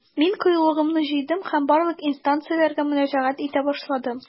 Мин кыюлыгымны җыйдым һәм барлык инстанцияләргә мөрәҗәгать итә башладым.